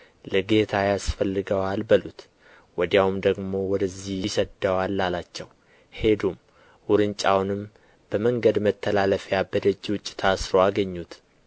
ለጌታ ያስፈልገዋል በሉት ወዲያውም ደግሞ ወደዚህ ይሰደዋል አላቸው ሄዱም ውርንጫውንም በመንገድ መተላለፊያ በደጅ ውጭ ታስሮ አገኙት